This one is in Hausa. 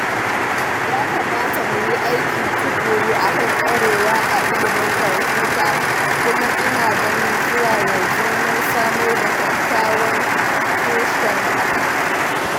Ya kamata mu yi aiki tuƙuru akan ƙwarewa a ilimin kwamfuta kuma ina ganin zuwa yanzu mun samar da kyakkyawan tushen hakan.